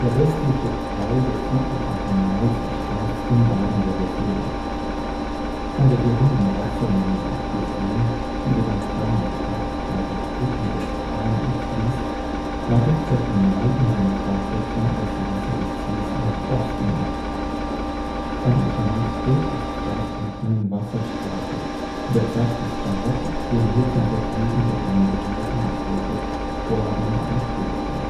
westliche Teil des südlichen Kanals speist den Badenburger See. Von der geringen Wassermenge abgesehen, die über den kleinen Bach bei der Gruppe des Pan abfließt, leitet der Kanal in seiner Fortsetzung das Wasser des Sees nach Osten ab. Sein Erscheinungsbild ist das einer kleinen Wasserstraße – in der Zeit des Barock fuhren hier zum Vergnügen der Angehörigen des Hofes Gondeln und Boote